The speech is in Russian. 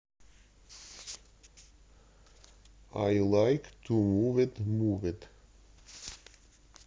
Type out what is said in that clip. ай лайк ту мувед мувед